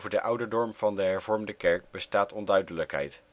de ouderdom van de hervormde kerk bestaan onduidelijkheid